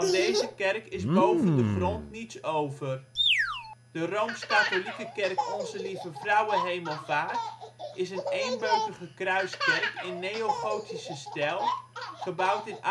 deze kerk is boven de grond niets over. De rooms katholieke kerk Onze Lieve Vrouwe Hemelvaart is een eenbeukige kruiskerk in neogotische stijl, gebouwd in